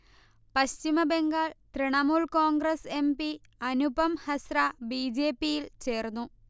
Paschim Bangal Trinamool Congress M. P. Anupam Hasra ബിജെപിയിൽ ചേർന്നു